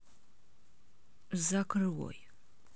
закрой